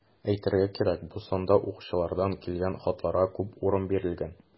Әйтергә кирәк, бу санда укучылардан килгән хатларга күп урын бирелгән.